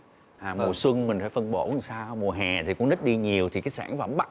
hà mùa xuân mình phải phân bổ mùa hè thì cũng ít đi nhiều thì các sản phẩm bắt